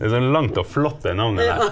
er så langt og flott det navnet der.